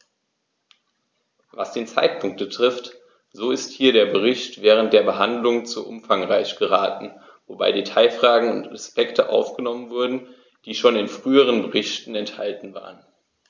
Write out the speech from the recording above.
Was den Zeitpunkt betrifft, so ist hier der Bericht während der Behandlung zu umfangreich geraten, wobei Detailfragen und Aspekte aufgenommen wurden, die schon in früheren Berichten enthalten waren.